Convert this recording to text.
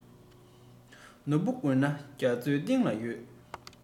ནོར བུ དགོས ན རྒྱ མཚོའི གཏིང ལ ཡོད